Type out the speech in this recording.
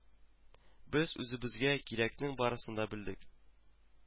Без үзебезгә кирәкнең барысын да белдек